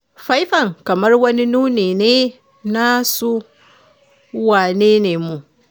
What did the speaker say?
Faifan kamar wani nuni ne na su wane ne mu.”